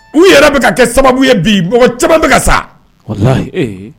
U yɛrɛ bɛ ka kɛ sababu ye bi mɔgɔ caman bɛ ka sa walahi